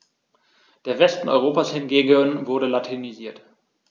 Der Westen Europas hingegen wurde latinisiert.